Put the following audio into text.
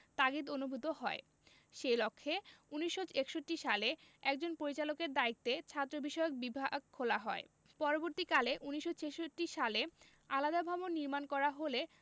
তাগিদ অনুভূত হয় সেই লক্ষ্যে ১৯৬১ সালে একজন পরিচালকের দায়িত্বে ছাত্রবিষয়ক বিভাগ খোলা হয় পরবর্তীকালে ১৯৬৬ সালে আলাদা ভবন নির্মাণ করা হলে